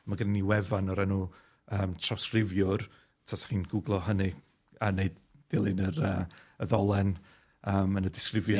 ma' gennyn ni wefan o'r enw yym trawsgrifiwr, tasach chi'n Googlo hynny a wneud dilyn yr yy y ddolen yym yn y disgrifiad.